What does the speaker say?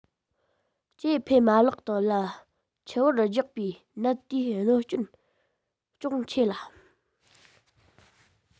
སྐྱེ འཕེལ མ ལག ལ ཆུ བུར རྒྱག པའི ནད དེའི གནོད སྐྱོན ཅུང ཆེ ལ